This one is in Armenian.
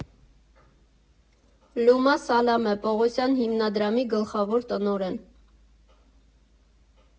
Լումա Սալամե Պողոսյան հիմնադրամի գլխավոր տնօրեն։